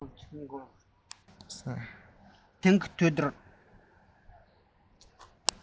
དེང གི དུས འདིར